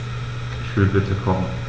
Ich will bitte kochen.